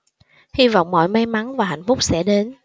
hy vọng mọi may mắn và hạnh phúc sẽ đến